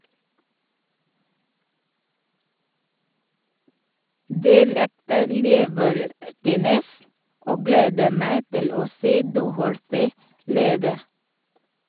De likte Libertines, og gledet meg til å se Doherty live.